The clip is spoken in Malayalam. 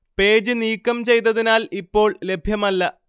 പേജ് നീക്കം ചെയ്തതിനാൽ ഇപ്പോൾ ലഭ്യമല്ല